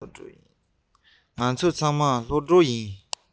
ང ཚོ ཚང མ སློབ ཕྲུག ཡིན